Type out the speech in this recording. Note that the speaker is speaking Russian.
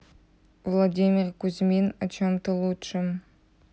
владимир кузьмин о чем то лучшем